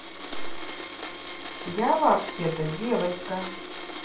я вообще то девочка